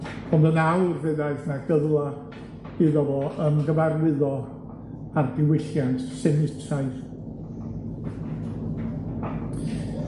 Ond yn awr fe ddaeth 'na gyfla iddo fo ymgyfarwyddo â'r diwylliant Sinistraidd.